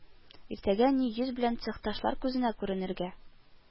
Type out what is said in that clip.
Иртәгә ни йөз белән цехташлар күзенә күренергә